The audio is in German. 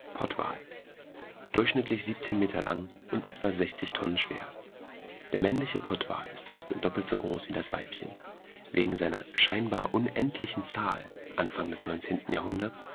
Pottwal: Durchschnittlich 17 Meter lang und etwa 60 Tonnen schwer. Der männliche Pottwal ist fast doppelt so groß wie das Weibchen. Wegen seiner scheinbar unendlichen Zahl Anfang des 19. Jahrhunderts